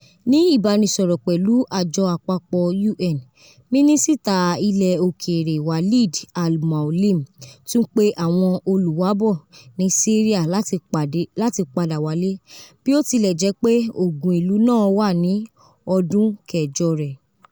Ni ibanisọrọ pẹlu Ajọ Apapọ UN, Minisita Ilẹ Okeere Walid al-Moualem tun pe awọn oluwabo ni Syria lati pada wale, bi o tilẹ jẹpe ogun ilu naa wa ni ọdun kẹjọ rẹ.